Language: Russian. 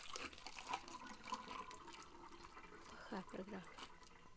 плохая программа